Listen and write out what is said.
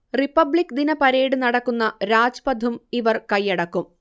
republic ദിന parade നടക്കുന്ന രാജ്പഥും ഇവർ കൈയടക്കും